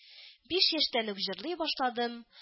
Биш яшьтән үк җырлый башладым